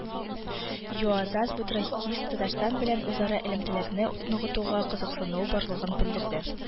Юозас Будрайтис Татарстан белән үзара элемтәләрне ныгытуга кызыксынуы барлыгын белдерде